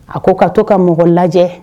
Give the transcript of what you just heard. A ko ka to ka mɔgɔ lajɛ